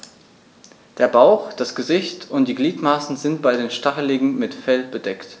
Der Bauch, das Gesicht und die Gliedmaßen sind bei den Stacheligeln mit Fell bedeckt.